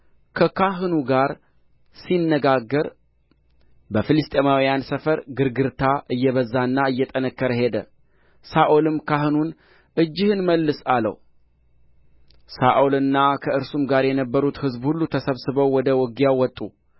ከካህኑ ጋር ሲነጋገር በፍልስጥኤማውያን ሰፈር ግርግርታ እየበዛና እየጠነከረ ሄደ ሳኦልም ካህኑን እጅህን መልስ አለው ሳኦልና ከእርሱም ጋር የነበሩት ሕዝብ ሁሉ ተሰብስበው ወደ ውጊያው መጡ